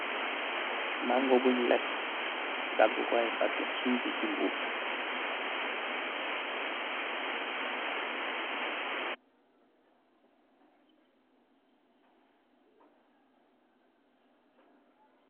Mango bunj les dageko ay dage, suysi jumbo